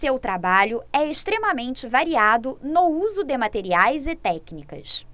seu trabalho é extremamente variado no uso de materiais e técnicas